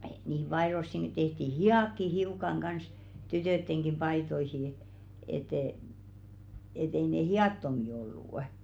niihin paitoihinkin tehtiin hihatkin hiukan kanssa tyttöjenkin paitoihin että - että ei ne hihattomia ollut